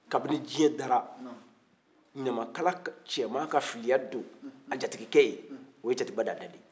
kabini diɲɛ danna ɲamakala cɛman ka filiya don a jatigikɛ ye o cɛtigiba dante de ye